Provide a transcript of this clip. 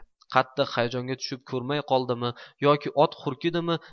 qattiq hayajonga tushib ko'rmay qoldimi yoki ot hurkdimi